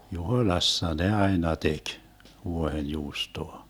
Juhoilassa ne aina teki vuohenjuustoa